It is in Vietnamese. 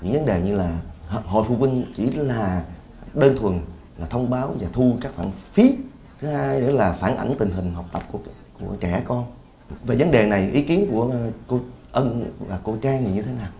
những vấn đề như là hội phụ huynh chỉ là đơn thuần là thông báo và thu các khoản phí thứ hai nữa là phản ánh tình hình học tập của trẻ con về vấn đề này ý kiến của cô ân và cô trang là như thế nào